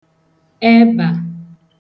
ebà